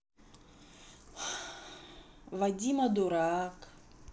вадима дурак